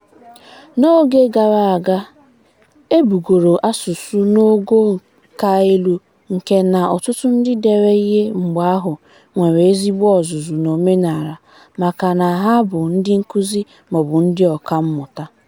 N'oge gara aga, e bugoro asụsụ n'ogo ka elu nke na ọtụtụ ndị dere ihe mgbe ahụ nwere ezigbo ọzụzụ n'omenaala maka na ha bụ ndị nkuzi maọbụ ndị ọkammụta.